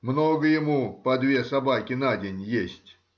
много ему по две собаки на день есть.